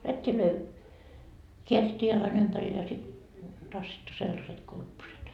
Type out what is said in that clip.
rättejä käärittiin jalan ympärille ja sitten tassittu sellaiset kurpposet